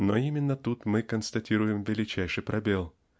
Но именно тут мы констатируем величайший пробел